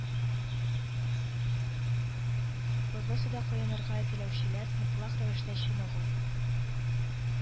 Бозлы суда коенырга теләүчеләр мотлак рәвештә чыныгу